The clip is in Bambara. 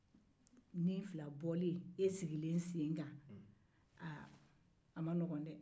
nin fila bɔleni e sigilen sen kan o ma nɔgɔn dɛɛ